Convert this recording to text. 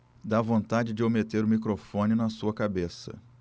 dá vontade de eu meter o microfone na sua cabeça